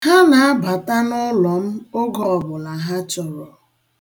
Ha na-abata n'ụlọ m oge ọbụla ha chọrọ.